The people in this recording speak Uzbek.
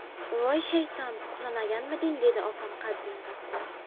voy shayton uxlamaganmiding dedi opam qaddini rostlab